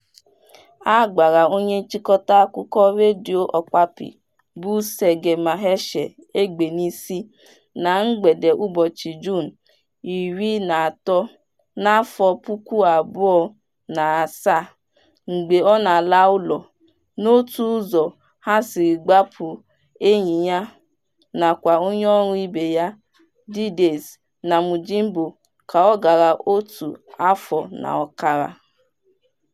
A gbara onye nchịkọta akụkọ Radio Okapi bụ Serge Maheshe egbe n'isi na mgbede ụbọchị Juun 13 2007 mgbe ọ na-ala ụlọ, n'otu ụzọ ha siri gbagbu enyi ya nakwa onyeọrụ ibe ya Didace Namujimbo ka ọ gara otu afọ na ọkara.